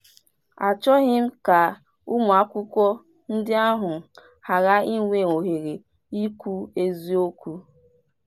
Achọghị m ka ụmụ akwụkwọ ndị ahụ ghara ịnwee ohere ikwu eziokwu.